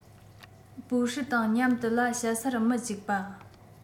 པུའུ ཧྲི དང མཉམ དུ ལ བཤད སར མི གཅིག པ